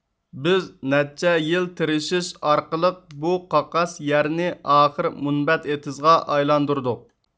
بىز نەچچە يىل تىرىشىش ئارقىلىق بۇ قاقاس يەرنى ئاخىر مۇنبەت ئېتىزغا ئايلاندۇردۇق